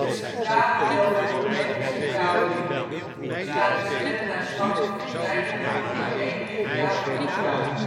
centrale deel van Omega Centauri staan de sterren naar schatting een kleine 0,1 lichtjaar van elkaar